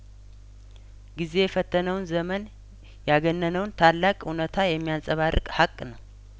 ጊዜ የፈተነውን ዘመን ያገነ ነውን ታላቅ እውነታ የሚያንጸባርቅ ሀቅ ነው